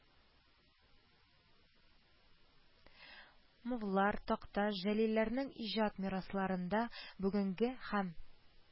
Мовлар, такташ, җәлилләрнең иҗат мирасларында бүгенге һәм